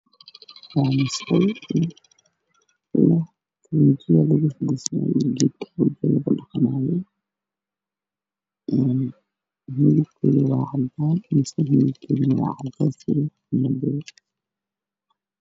Waa musqul midabkeedu yahay caddaan meesha lagu qabeysto way caddaan waxa ay leedahay miyis jaale ah